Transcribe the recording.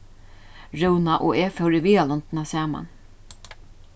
rúna og eg fóru í viðarlundina saman